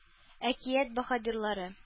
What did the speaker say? Әкият баһадирлары